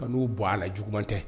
Ka n'u bɔ a la juguman tɛ